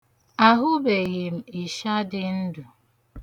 Ahụbeghị m ịsha dị ndụ.